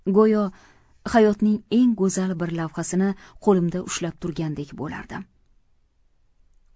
go'yo hayotning eng go'zal bir lavhasini qo'limda ushlab turgandek bo'lardim